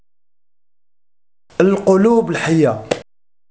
القلوب الحيه